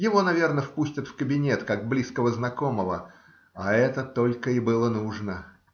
Его, наверно, впустят в кабинет, как близкого знакомого, а это только и было нужно.